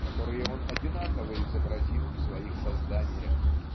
которые он одинаково изобразил в своих созданиях.